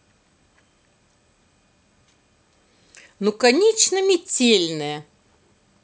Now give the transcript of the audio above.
ну конечно метельная